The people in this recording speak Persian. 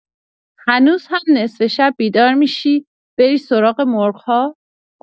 هنوز هم نصف شب بیدار می‌شی بری سراغ مرغ‌ها؟